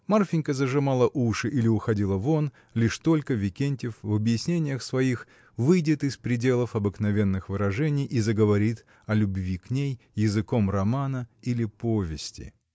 Марфинька зажимала уши или уходила вон, лишь только Викентьев, в объяснениях своих, выйдет из пределов обыкновенных выражений и заговорит о любви к ней языком романа или повести.